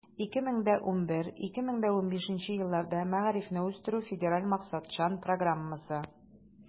2011 - 2015 елларга мәгарифне үстерү федераль максатчан программасы.